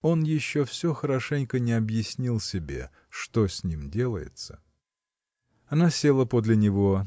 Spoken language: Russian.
Он еще все хорошенько не объяснил себе, что с ним делается. Она села подле него